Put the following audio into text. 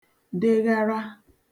deghara